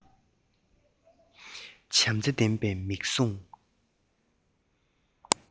བྱམས བརྩེ ལྡན པའི མིག ཟུང